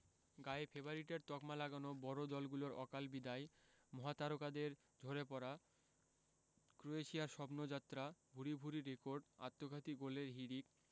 গায়ে ফেভারিটের তকমা লাগানো বড় দলগুলোর অকাল বিদায় মহাতারকাদের ঝরে পড়া ক্রোয়েশিয়ার স্বপ্নযাত্রা ভূরি ভূরি রেকর্ড আত্মঘাতী গোলের হিড়িক